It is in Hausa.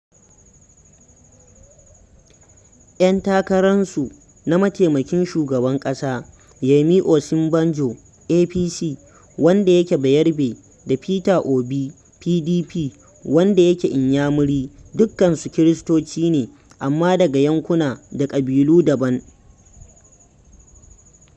Yan takararsu na mataimakin shugaban ƙasa - Yemi Osibanjo (APC) wanda yake bayarbe da Peter Obi (PDP) wanda yake Inyamiri dukkansu Kiristoci ne - amma daga yankuna da ƙabilu daban.